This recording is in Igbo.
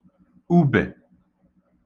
ubè